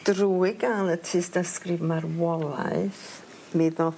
drwy ga'l y tystysgrif marwolaeth mi ddoth...